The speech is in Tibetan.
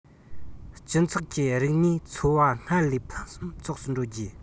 སྤྱི ཚོགས ཀྱི རིག གནས འཚོ བ སྔར ལས ཕུན སུམ ཚོགས སུ འགྲོ རྒྱུ